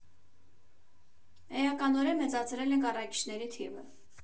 Էականորեն մեծացրել ենք առաքիչների թիվը։